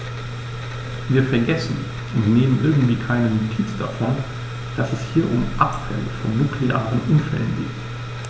Wir vergessen, und nehmen irgendwie keine Notiz davon, dass es hier um Abfälle von nuklearen Unfällen geht.